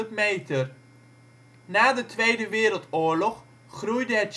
meter. Na de Tweede Wereldoorlog groeide